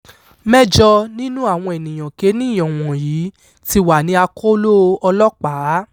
Mẹ́jọ nínú àwọn ènìyànkéènìà wọ̀nyí ti wà ní akóló ọlọ́pàá.